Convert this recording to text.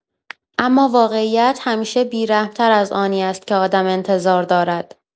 اما واقعیت همیشه بی‌رحم‌تر از آنی است که آدم انتظار دارد.